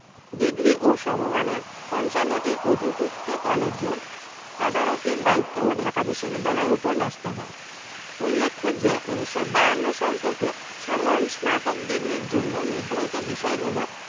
degree ও সমমানের ৫৫টি অধিভুক্ত কলেজের তদারকির দায়িত্বও ঢাকা বিশ্ববিদ্যালয়ের ওপর ন্যস্ত হয় উল্লেখ্য যে ১৯৫২ সাল থেকে সাধারণ স্নাতক ডিগ্রির জন্য নির্ধারিত বিষয়গুলো